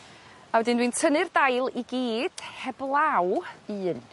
A wedyn dwi'n tynnu'r dail i gyd he- heblaw un